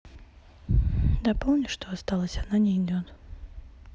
дополни что осталось она не идет